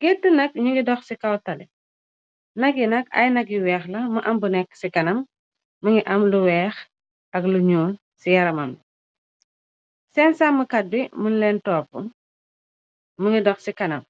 Gettu nak njungi dox ci kaw tali, nagi nak ay nag yu weex la mu am bu nekk ci kanam, mungi am lu weex ak lu njul ci yaramam, sehn sammkat bi mun lehn toppu, mungi dox ci kanam,